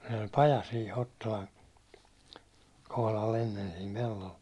sen oli paja siinä Hottolan kohdalla ennen siinä pellolla